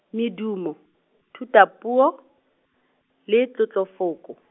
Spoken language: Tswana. medumo, thutapuo, le tlotlofoko.